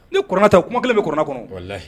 Niurannatɛ kuma kelen bɛ kɔnɔyi